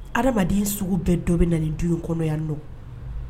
Adamaden sugu bɛɛ dɔ bɛ na ni du kɔnɔ yan n nɔ